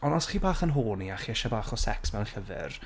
Ond os chi bach yn horny a chi isie bach o sex mewn llyfr,